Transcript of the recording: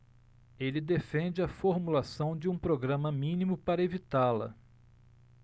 ele defende a formulação de um programa mínimo para evitá-la